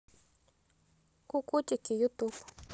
кукутики ютуб